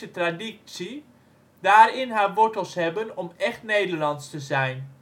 traditie daarin haar wortels hebben om echt Nederlands te zijn